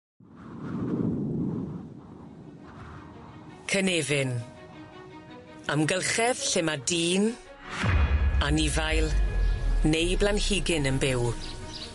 Cynefin. Amgylchedd lle ma' dyn, anifail neu blanhigyn yn byw.